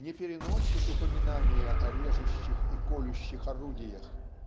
не переносит упоминания о режущих и колющих орудиях